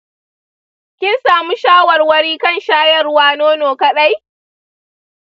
kin samu shawarwari kan shayarwa nono kaɗai?